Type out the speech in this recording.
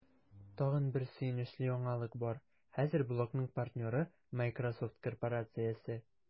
Тагын бер сөенечле яңалык бар: хәзер блогның партнеры – Miсrosoft корпорациясе!